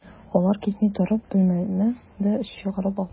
Алар китми торып, бүлмәмә дә чакыра алмыйм.